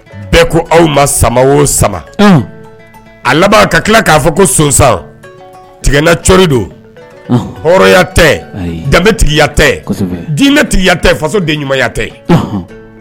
Bɛɛ ko aw ma sama o sama a laban ka tila k'a fɔ ko sonsan tigɛna cɔri don h hɔrɔnya tɛ danbebetigiya tɛ dinɛtigiya tɛ fasoden ɲumanya tɛ